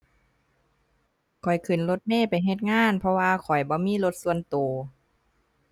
ข้อยขึ้นรถเมล์ไปเฮ็ดงาน เพราะว่าข้อยบ่มีรถส่วนตัว